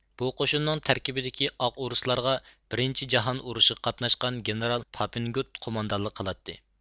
بۇ قوشۇننىڭ تەركىبىدىكى ئاق ئورۇسلارغا بىرىنچى جاھان ئۇرۇشىغا قاتناشقان گېنېرال پاپىنگۇت قوماندانلىق قىلاتتى